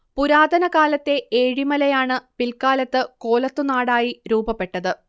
പുരാതന കാലത്തെ ഏഴിമലയാണ് പിൽക്കാലത്ത് കോലത്തുനാടായി രൂപപ്പെട്ടത്